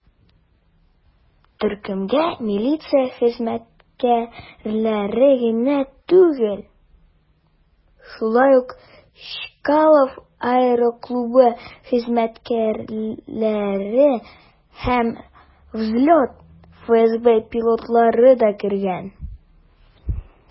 Төркемгә милиция хезмәткәрләре генә түгел, шулай ук Чкалов аэроклубы хезмәткәрләре һәм "Взлет" ФСБ пилотлары да кергән.